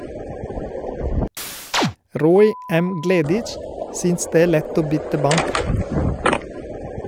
Roy M. Gleditsch synes det er lett å bytte bank.